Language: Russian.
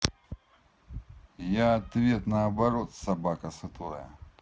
я ответ наоборот собака сутулая